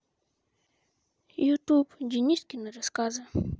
ютуб денискины рассказы